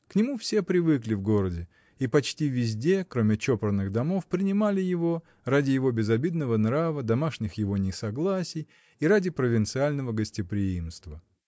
К нему все привыкли в городе, и почти везде, кроме чопорных домов, принимали его, ради его безобидного нрава, домашних его несогласий и ради провинциального гостеприимства.